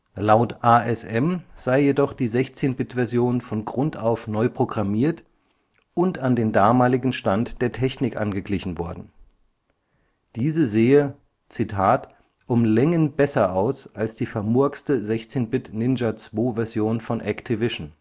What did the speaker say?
Laut ASM sei jedoch die 16-Bit-Version von Grund auf neu programmiert und an den damaligen Stand der Technik angeglichen worden. Diese sehe „ um Längen besser aus, als die vermurkste 16-Bit-Ninja-2-Version von Activision